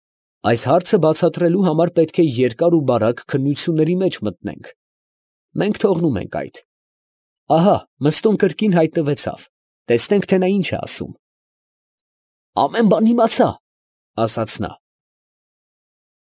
Այս հարցը բացատրելու համար պետք է երկար ու բարակ քննությունների մեջ մտնենք. մենք թողնում ենք այդ, ահա՛ Մըստոն կրկին հայտնվեցավ, տեսնենք, նա ինչ է ասում։ ֊ Ամեն բան իմացա, ֊ ասաց նա։ ֊